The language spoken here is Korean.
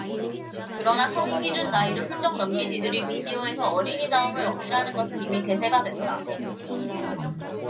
그러나 성인 기준 나이를 훌쩍 넘긴 이들이 미디어에서 어린이 다움을 어필하는 것은 이미 대세가 됐다